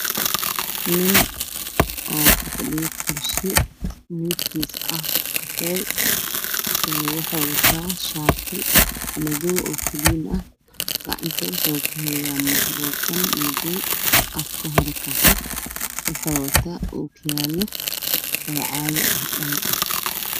Waa nin ku fadhiyo kursi